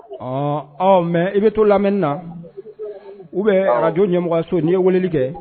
Ɔ ɔ mɛ i bɛ to lam na u bɛ arajo ɲɛmɔgɔso ni ye weleli kɛ